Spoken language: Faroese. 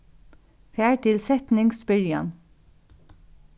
far til setningsbyrjan